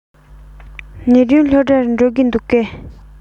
ཉི སྒྲོན སློབ གྲྭར འགྲོ གི འདུག གས